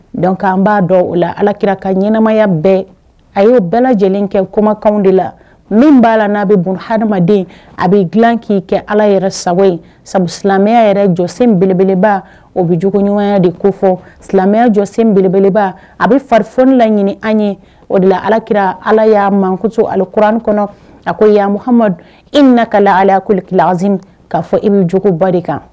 Dɔnkuc k an b'a dɔn o la alakira ka ɲɛnɛmaya bɛɛ a ye bɛɛ lajɛlen kɛ kɔmakan de la min b'a la n' a bɛ bon hadamaden a bɛ dilan k'i kɛ ala yɛrɛ sababu ye sabu silamɛya yɛrɛ jɔ sen belebeleba o bɛ jɲɔgɔnya de ko fɔ silamɛya jɔ sen belebeleba a bɛ farif laɲini an ye o de la alakira ala y'a mangoso akuran kɔnɔ a ko yammu ha amadu i bɛna na ka ala koli kilazmi k'a fɔ i bɛ joba de kan